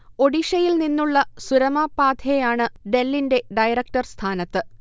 ഒഡിഷയിൽനിന്നുള്ള സുരമാ പാധേയാണ് ഡെല്ലിന്റെ ഡയറക്ടർ സ്ഥാനത്ത്